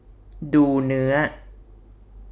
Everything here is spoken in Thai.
ดูเนื้อ